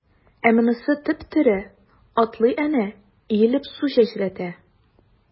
Ә монысы— теп-тере, атлый әнә, иелеп су чәчрәтә.